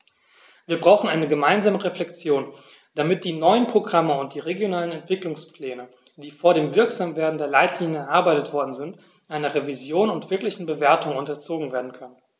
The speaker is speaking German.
Wir brauchen eine gemeinsame Reflexion, damit die neuen Programme und die regionalen Entwicklungspläne, die vor dem Wirksamwerden der Leitlinien erarbeitet worden sind, einer Revision und wirklichen Bewertung unterzogen werden können.